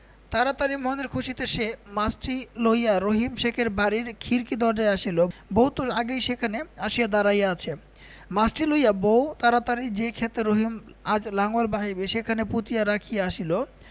তাড়াতাড়ি মনের খুশীতে সে মাছটি লইয়া রহিম শেখের বাড়ির খিড়কি দরজায় আসিল বউ তো আগেই সেখানে আসিয়া দাঁড়াইয়া আছে মাছটি লইয়া বউ তাড়াতাড়ি যে ক্ষেতে রহিম আজ লাঙল বাহিবে সেখানে পুঁতিয়া রাখিয়া আসিল